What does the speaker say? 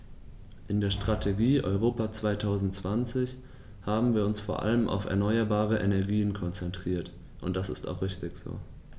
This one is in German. In der Strategie Europa 2020 haben wir uns vor allem auf erneuerbare Energien konzentriert, und das ist auch richtig so.